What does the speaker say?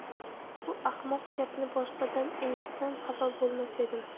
bu ahmoq gapni boshqadan eshitsam xafa bo'lmas edim